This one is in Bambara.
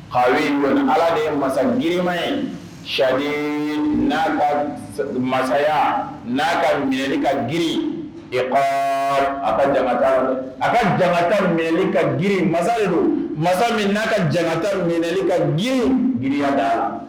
Hali kɔni ala de ye masa girinma ye sa n'a ka masaya n'a ka mili ka g a ka ja a ka jata minɛli ka girin masayi masa n'a ka janta minɛli ka gi girinyada